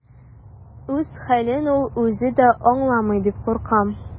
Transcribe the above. Үз хәлен ул үзе дә аңламый торгандыр дип куркам.